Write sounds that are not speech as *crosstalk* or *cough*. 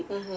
*hesitation* *hesitation*